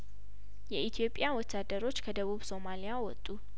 የኢትዮጵያ ወታደሮች ከደቡብ ሶማልያወጡ